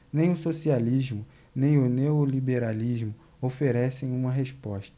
nem o socialismo nem o neoliberalismo oferecem uma resposta